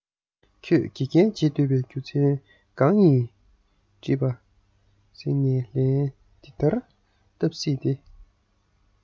ཁྱོད དགེ རྒན བྱེད འདོད པའི རྒྱུ མཚན གང ཡིན མགྲིན པ གཟེངས ནས ལན འདི ལྟར བཏབ སྲིད དེ